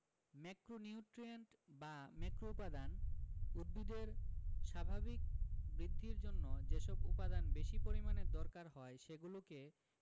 macronutrient বা ম্যাক্রোউপাদান উদ্ভিদের স্বাভাবিক বৃদ্ধির জন্য যেসব উপাদান বেশি পরিমাণে দরকার হয় সেগুলোকে